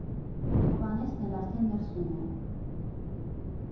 Հովհաննեսն էլ արդեն ներսում է։